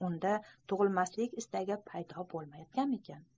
unda tug'ilmaslik istagi paydo bo'lmaganmikin